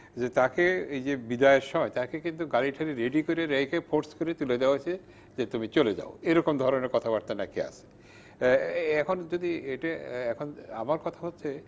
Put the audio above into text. যে তাকে বিদায়ের সময় তাকে কিন্তু গাড়ি টাড়ি রেডি করে রেখ ফোর্স করে তুলে দেয়া হয়েছে যে তুমি চলে যাও যে এরকম ধরনের কথা বার্তা না কি আছে এখন যদি এটা এখন আমার কথা হচ্ছে